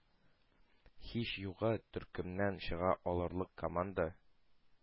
Һич югы, төркемнән чыга алырлык команда